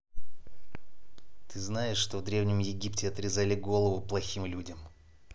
ты знаешь что в древнем египте отрезали голову плохим людям